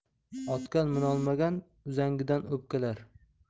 otga minolmagan uzangidan o'pkalar